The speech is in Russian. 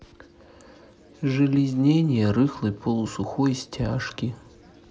железнение рыхлой полусухой стяжки